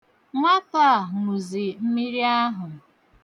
Nwata a ṅụzi mmiri ahụ.